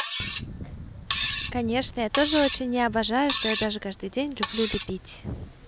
конечно я тоже очень не обожаю что я даже каждый день люблю любить